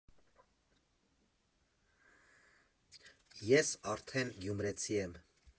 Ես արդեն գյումրեցի եմ։